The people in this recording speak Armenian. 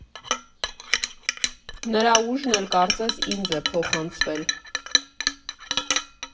Նրա ուժն էլ կարծես ինձ է փոխանցվել։